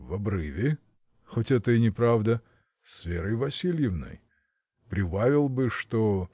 в обрыве — хоть это и неправда, — с Верой Васильевной. Прибавил бы, что.